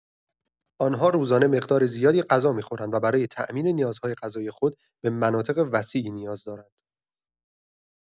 آنها روزانه مقدار زیادی غذا می‌خورند و برای تامین نیازهای غذایی خود به مناطق وسیعی نیاز دارند.